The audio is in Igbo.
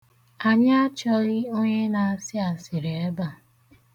Anyị achọghị onye na-asị asịrị ebe a.